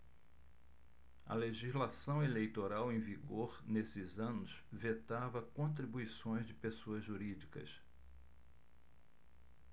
a legislação eleitoral em vigor nesses anos vetava contribuições de pessoas jurídicas